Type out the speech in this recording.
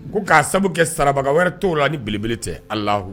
Ko k'a sababu kɛ saraka wɛrɛ tɔw la ani ni bb tɛ alih